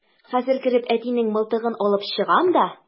Хәзер кереп әтинең мылтыгын алып чыгам да...